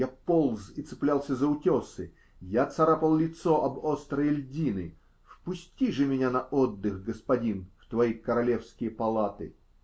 Я полз и цеплялся за утесы, я царапал лицо об острые льдины-- впусти же меня на отдых, господин, в твои королевские палаты!